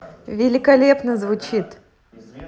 великолепно звучит